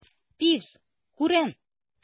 Пивз, күрен!